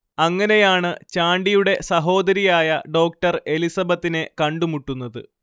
അങ്ങനെയാണ് ചാണ്ടിയുടെ സഹോദരിയായ ഡോക്ടർ എലിസബത്തിനെ കണ്ടു മുട്ടുന്നത്